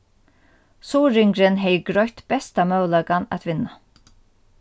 suðuroyingurin hevði greitt besta møguleikan at vinna